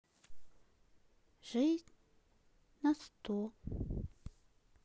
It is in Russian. жизнь на сто